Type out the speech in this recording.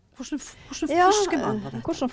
hvordan hvordan forsker man på dette?